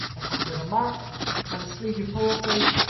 y papur yma. Ma' 'na sleidie PowerPoint